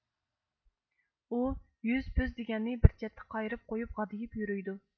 ئۇ يۈز پۈز دېگەننى بىر چەتتە قايرىپ قويۇپ غادىيىپ يۈرۈيدۇ